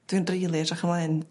Dwi'n d- rili edrych ymlaen